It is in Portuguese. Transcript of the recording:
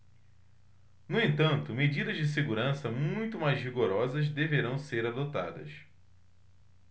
no entanto medidas de segurança muito mais rigorosas deverão ser adotadas